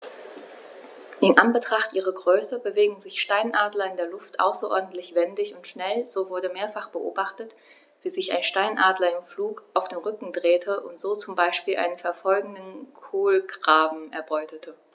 In Anbetracht ihrer Größe bewegen sich Steinadler in der Luft außerordentlich wendig und schnell, so wurde mehrfach beobachtet, wie sich ein Steinadler im Flug auf den Rücken drehte und so zum Beispiel einen verfolgenden Kolkraben erbeutete.